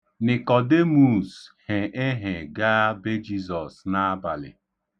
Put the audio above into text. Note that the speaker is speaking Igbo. Nịkọdemuus he ehe gaa be Jizọs n'abalị.